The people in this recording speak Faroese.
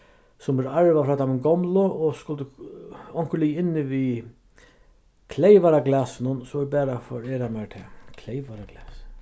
sum er arvað frá teimum gomlu og skuldi onkur ligið inni við kleyvaraglasinum so er bara at forera mær tað kleyvaraglas